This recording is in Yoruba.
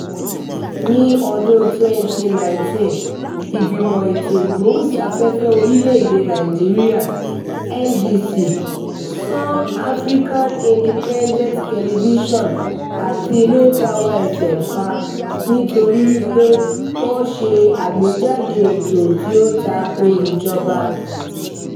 Ní ọdún-un 2019, Ìgbìmọ̀ Ètò Ìgbóhùnsáfẹ́fẹ́ Orílẹ̀-èdèe Nàìjíríà (NBC) ṣán African Independent Television àti RayPower FM pa nítorí wípé ó ṣe àgbéjáde ètò tí ó tako ìjọba.